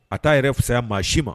A t'a yɛrɛ fɛ fisaya maa si ma.